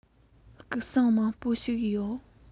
སྐུ སྲུང མང པོ ཞིག ཡོད